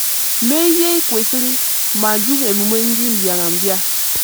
Mee ihe ị kwesịrị ma jụ emume ndị mbịarambịa.